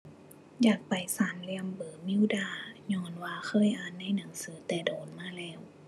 อยากไปสามเหลี่ยม Bermuda ญ้อนว่าเคยอ่านในหนังสือแต่โดนมาแล้ว